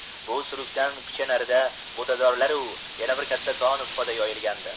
bu surkdan picha narida butazorlararo yana bir kattakon poda yoyilgandi